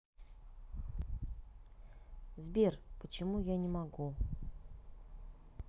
сбер почему я не могу